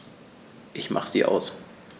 Ich mache sie aus.